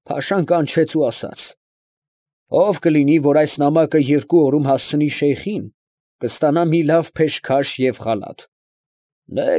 Փաշան կանչեց ու ասաց. ֊ ո՞վ կլինի, որ այս նամակը երկու օրում հասցնի շեյխին, կստանա մի լավ փեշքաշ ու խալաթ։